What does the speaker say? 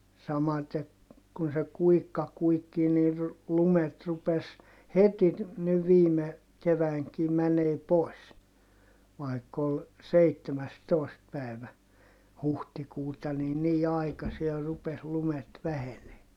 samaten kun se kuikka kuikkii niin lumet rupesi heti niin viime keväänäkin menemään pois vaikka oli seitsemästoista päivä huhtikuuta niin niin aikiasin rupesi lumet vähenemään